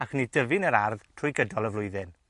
allwn ni dyfu'n yr ardd trwy gydol y flwyddyn.